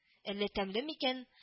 Әллә тәмлеме икән